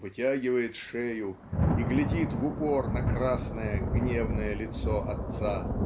вытягивает шею и глядит в упор на красное гневное лицо отца.